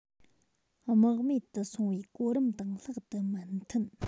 རྨེག མེད དུ སོང བའི གོ རིམ དང ལྷག ཏུ མི མཐུན